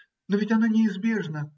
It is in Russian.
но ведь она неизбежна